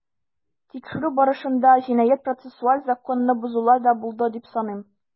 Тикшерү барышында җинаять-процессуаль законны бозулар да булды дип саныйм.